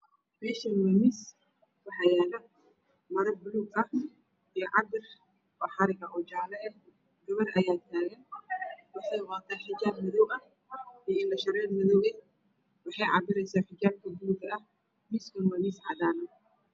Meshan waa mis waxa yaala maro bulug ah iyo cabir xarig ah ojale ah gabar ayaatagan waxey wadata xijaab madow ah iyo indhashareer madow ah waxey cabireysaa xijaab obulugah miskana waa miscadan ah